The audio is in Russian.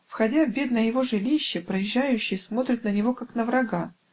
Входя в бедное его жилище, проезжающий смотрит на него как на врага